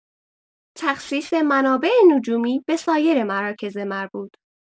تخصیص منابع نجومی به سایر مراکز مربوط